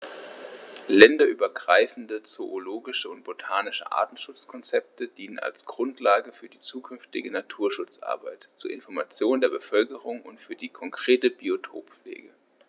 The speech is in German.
Länderübergreifende zoologische und botanische Artenschutzkonzepte dienen als Grundlage für die zukünftige Naturschutzarbeit, zur Information der Bevölkerung und für die konkrete Biotoppflege.